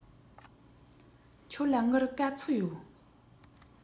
ཁྱོད ལ དངུལ ག ཚོད ཡོད